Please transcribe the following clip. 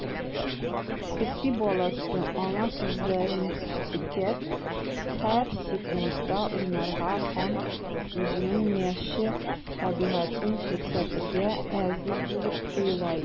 Песи баласы, аңа күзләрен текәп, һәр секундта уйнарга һәм үзенең мәче табигатен күрсәтергә әзер булып тоела иде.